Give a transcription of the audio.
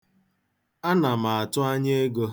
Ana m atụ anya ego.